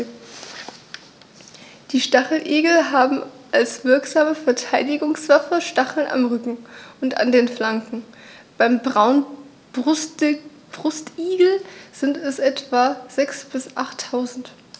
Die Stacheligel haben als wirksame Verteidigungswaffe Stacheln am Rücken und an den Flanken (beim Braunbrustigel sind es etwa sechs- bis achttausend).